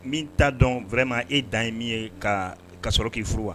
Min t'a dɔn wɛrɛma e dan ye min ye ka ka sɔrɔ k'i furu wa